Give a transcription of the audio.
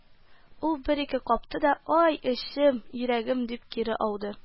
Ул бер-ике капты да, "ай эчем, йөрәгем", – дип кире ауды